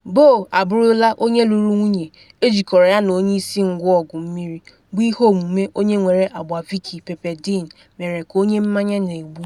Bough abụrụla onye lụrụ nwunye, ejikọrọ ya na onye isi ngwa ọgụ mmiri, bụ ihe omume onye nwere agba Vicki Pepperdine mere ka onye mmanya na-egbu.